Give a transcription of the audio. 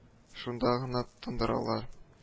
Шунда гына тондыралар